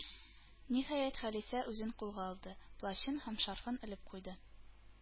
Ниһаять, Халисә үзен кулга алды, плащын һәм шарфын элеп куйды.